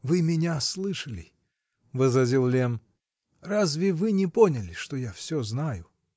-- Вы меня слышали, -- возразил Лемм, -- разве вы не поняли, что я все знаю?